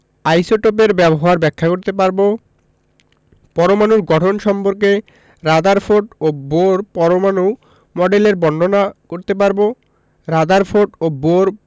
আইসোটোপের ব্যবহার ব্যাখ্যা করতে পারব পরমাণুর গঠন সম্পর্কে রাদারফোর্ড ও বোর পরমাণু মডেলের বর্ণনা করতে পারব রাদারফোর্ড ও বোর